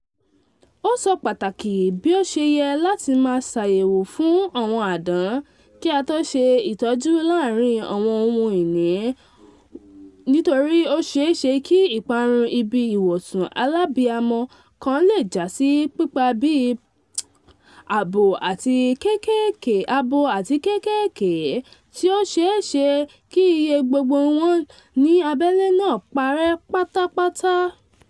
Ó sọ pàtàkì bí ó ṣe yẹ láti máa ṣàyẹ̀wò fún àwọn àdán kí a tó ṣe ìtọ́jú láarin àwọn ohun ìní wa nítorí ó ṣeéṣe kí ìparun ibi ìwọ̀sùn alábiamọ kan le jásí pípa bí 400 abo àti kékèké, tí ó ṣeéṣe kí iye gbogbo wọn ní abẹ́lé náà parẹ́ pátápátá.